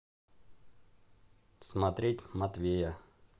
смотреть матвея